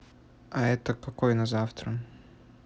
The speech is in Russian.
а это какой на завтра